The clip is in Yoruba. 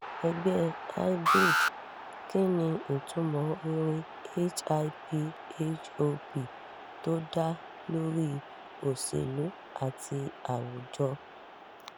Ẹgbẹ́ High Breed Kí ni ìtumọ̀ orin hip hop tó dá lórí òṣèlú àti àwùjọ?